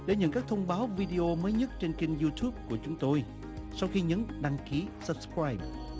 để nhận các thông báo vi đê ô mới nhất trên kênh riu túp của chúng tôi sau khi nhấn đăng ký sắp roai